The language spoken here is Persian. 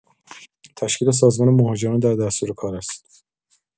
تشکیل سازمان مهاجران در دستورکار است.